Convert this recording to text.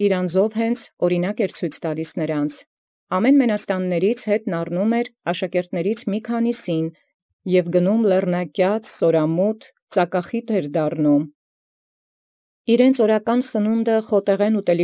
Զորս ընդ ժամանակս ժամանակս իւրով իսկ անձամբն աւրինակ ցուցանէր. առեալ զոմանս յաշակերտաց յիւրաքանչիւր մենաստանացն և երթեալ լեռնակեաց, սորամուտ ծակախիթ եղեալ՝ զառաւրէական զկերակուրն խոտաբուտ։